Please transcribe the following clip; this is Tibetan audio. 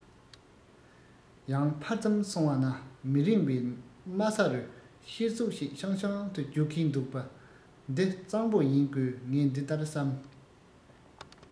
ཡང ཕར ཙམ སོང བ ན མི རིང བའི དམའ ས རུ གཤེར གཟུགས ཤིག ཤང ཤང དུ རྒྱུག གིན འདུག པ འདི གཙང པོ ཡིན དགོས ངས འདི ལྟར བསམ